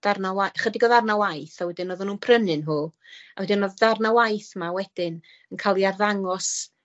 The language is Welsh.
darna wai- chydig o ddarna waith a wedyn oddan nw'nn prynnu nw a wedyn odd ddarna waith 'ma wedyn yn ca'l 'u arddangos